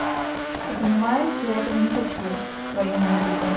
ты понимаешь я этого не хочу твою музыку